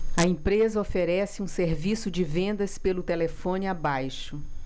a empresa oferece um serviço de vendas pelo telefone abaixo